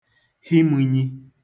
hi mə̄nyī